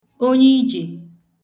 onyi ijè